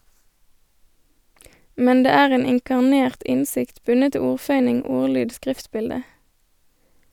Men det er en inkarnert innsikt, bundet til ordføyning, ordlyd, skriftbilde.